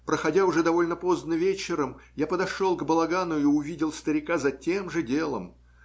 проходя уже довольно поздно вечером, я подошел к балагану и увидел старика за тем же делом.